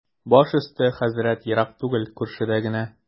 Баш өсте, хәзрәт, ерак түгел, күршедә генә.